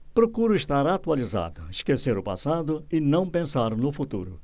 procuro estar atualizado esquecer o passado e não pensar no futuro